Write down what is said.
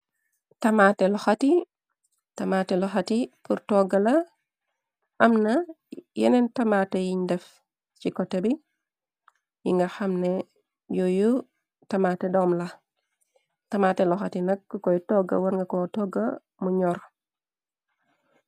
Tamaate luxati, tamaate luxati pur togga la, am na yeneen tamaate yiñ def ci kote bi. Yi nga xamne, yoyu tamaate doom la. Tamaate loxati nakk, ku koy togga war nga ko togga mu ñor.